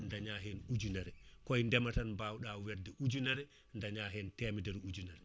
daña hen ujunere koye ndeema tan mbawɗa wadde ujunere daña hen temedere ujunere